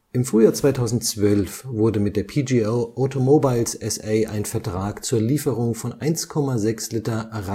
Im Frühjahr 2012 wurde mit der PGO Automobiles SA ein Vertrag zur Lieferung von 1,6 l